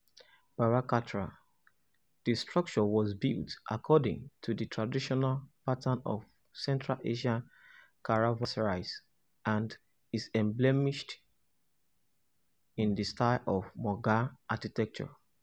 Bara Katra, the structure was built according to the traditional pattern of Central Asian caravanserais and is embellished in the style of Mughal architecture.